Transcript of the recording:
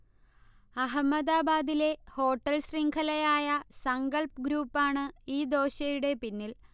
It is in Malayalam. അഹമ്മദാബാദിലെ ഹോട്ടൽ ശൃംഘലയായ സങ്കൽപ് ഗ്രൂപ്പാണ് ഈ ദോശയുടെ പിന്നിൽ